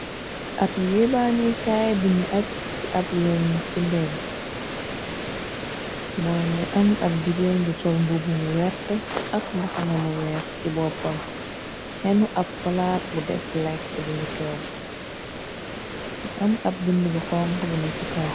Ab yéebaani kaay buñu aj ci ab weñ ci mbedd moo nga am ab jigéen ju sol mu bu wert ak mbax namu weex ci boppam enu ab palaak bu def lekk bunu toog am ab bind bu xong bu ne ci kaw.